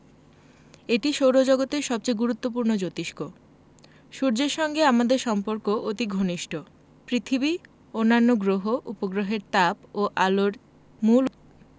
এটি সৌরজগতের সবচেয়ে গুরুত্বপূর্ণ জোতিষ্ক সূর্যের সঙ্গে আমাদের সম্পর্ক অতি ঘনিষ্ট পৃথিবী অন্যান্য গ্রহ উপগ্রহের তাপ ও আলোর মূল